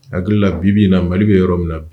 Hakiliki bibi na mali bɛ yɔrɔ min na